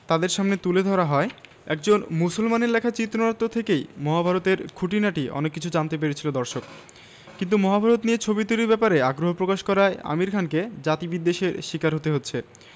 তাঁদের সামনে তুলে ধরা হয় একজন মুসলমানের লেখা চিত্রনাট্য থেকেই মহাভারত এর খুঁটিনাটি অনেক কিছু জানতে পেরেছিল দর্শক কিন্তু মহাভারত নিয়ে ছবি তৈরির ব্যাপারে আগ্রহ প্রকাশ করায় আমির খানকে জাতিবিদ্বেষের শিকার হতে হচ্ছে